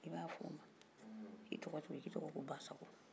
i b'a fɔ ma k'i tɔgɔ t'o ye k'i tɔgɔ ko ba sago